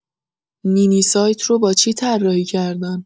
نی‌نی سایت رو با چی طراحی کردن؟